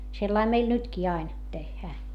sellainen meillä nytkin aina tehdään